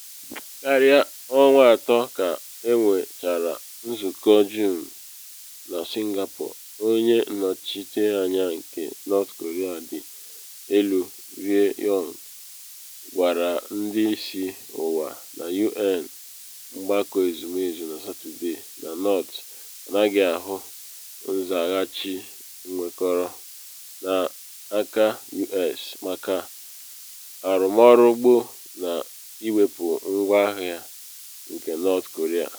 Karịa ọnwa atọ ka enwechara nzụkọ Juun na Singapore, onye nnọchite anya nke North Korea dị elu Ri Yong gwara ndị isi ụwa na U.N. Mgbakọ Ezumezu na Satọde na North anaghị ahụ “nzaghachi kwekọrọ” n’aka U.S. maka arụmọrụ gboo na iwepu ngwa agha nke North Korea.